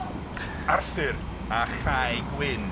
Arthur a Chai Gwyn.